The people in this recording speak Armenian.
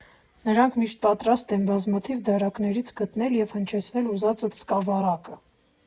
Նրանք միշտ պատրաստ են բազմաթիվ դարակներից գտնել և հնչեցնել ուզածդ սկավառակը։